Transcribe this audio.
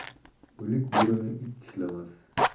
o'lik bo'rini it tishlamas